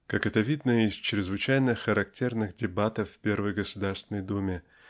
как это видно из чрезвычайно характерных дебатов в первой Государственной Думе